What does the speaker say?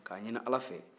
k'a ɲinin ala fɛ